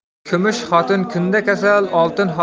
kumush xotin kunda kasal